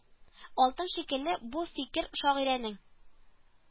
Алтын шикелле, бу фикер шагыйрәнең